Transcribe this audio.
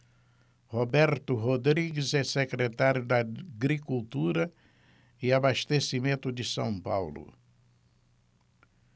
roberto rodrigues é secretário da agricultura e abastecimento de são paulo